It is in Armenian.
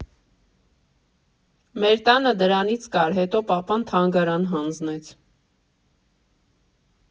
Մեր տանը դրանից կար, հետո պապան թանգարան հանձնեց։